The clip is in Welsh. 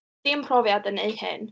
Dim profiad yn wneud hyn.